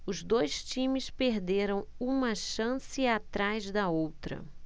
os dois times perderam uma chance atrás da outra